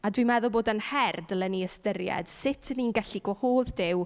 A dwi'n meddwl bod e'n her dylen ni ystyried sut 'y ni'n gallu gwahodd Duw...